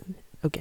OK.